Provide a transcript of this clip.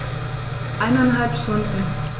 Eineinhalb Stunden